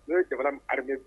N'o ye jamanara hame